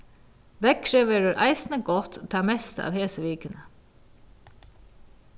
veðrið verður eisini gott tað mesta av hesi vikuni